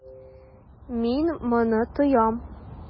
Мин моны тоям.